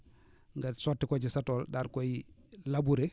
nga sotti ko ci sa tool daal di koy labourer